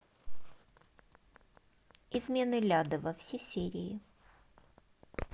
измены лядова все серии